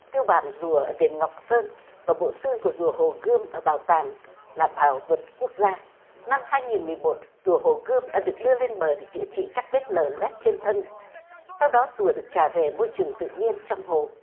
tiêu bản rùa đền ngọc sơn và bộ xương của rùa hồ gươm ở bảo tàng là bảo vật quốc gia năm hai nghìn mười một rùa hồ gươm đã được đưa lên bờ để chữa trị các vết lở loét trên thân sau đó rùa được trả về môi trường tự nhiên trong hồ